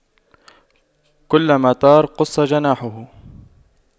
كلما طار قص جناحه